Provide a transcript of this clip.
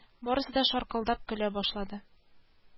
Барысыды шаркылдап көлә башлады